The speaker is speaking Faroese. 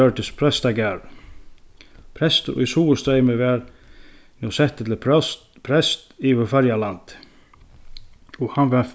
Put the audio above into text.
gjørdist prestagarðurin prestur í suðurstreymoy varð nú settur til próst prest yvir føroyalandi og hann var